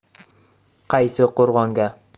qaysi qo'rg'onga